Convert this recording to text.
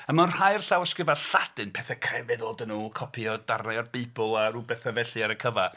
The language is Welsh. Mewn rhai o'r llawysgrifau Lladin, pethau crefyddol dan nhw copïo darnau o'r Beibl a ryw bethau felly ar y cyfan.